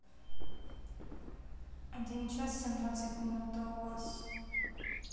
один час семнадцать минут а у вас